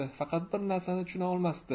faqat bir narsani tushuna olmasdi